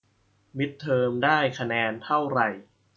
มิดเทอมได้คะแนนเท่าไหร่